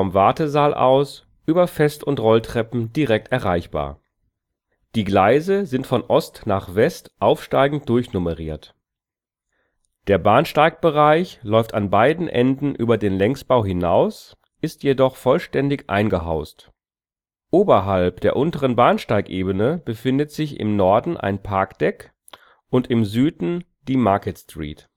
Wartesaal aus über Fest - und Rolltreppen direkt erreichbar. Die Gleise sind von Ost nach West aufsteigend durchnummeriert. Der Bahnsteigbereich läuft an beiden Enden über den Längsbau hinaus, ist jedoch vollständig eingehaust. Oberhalb der unteren Bahnsteigebene befindet sich im Norden ein Parkdeck und im Süden die Market Street